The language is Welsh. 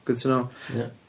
Good to know. Ie.